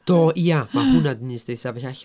Do, ia, mae hwnna'n un sydd 'di sefyll allan.